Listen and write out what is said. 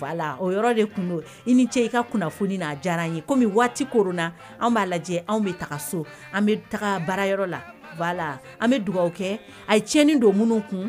Ce kunnafoni waati b'a lajɛ anw bɛ taga so an bɛ taga barayɔrɔ la an bɛ dugawu kɛ a ye tiɲɛn don minnu kun